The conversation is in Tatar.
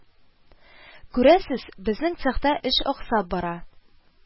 Күрәсез, безнең цехта эш аксап бара